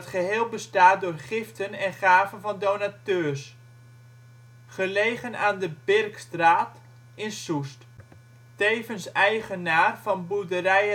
geheel bestaat door giften en gaven van donateurs. Gelegen aan de Birkstraat in Soest. Tevens eigenaar van Boerderij